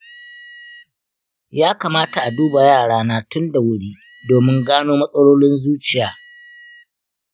ya kamata a duba yarana tun da wuri domin gano matsalolin zuciya?